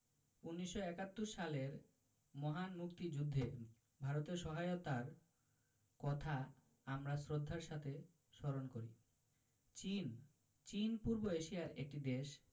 ১৯৭১ সালের মহান মুক্তিযুদ্ধে ভারতের সহায়তার কথা আমরা শ্রদ্ধার সাথে স্মরণ করি চীনঃ চীন পূর্ব এশিয়ার একটি দেশ